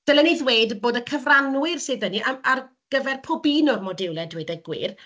Dylen i ddweud bod y cyfrannwyr sydd 'da ni, ar ar gyfer pob un o'r modiwlau a dweud y gwir